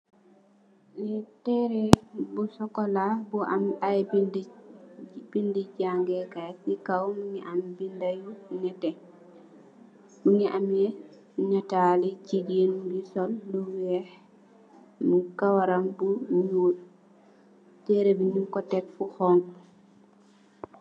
Li teré bu sokola bu am ay bindé jangèè kai, ci kaw mugii am bindé yu netteh, mugii ameh nittali jigeen bu sol lu wèèx kawarr bu ñuul. Teré bi ñing ko tek fu xonxu fu xonxu.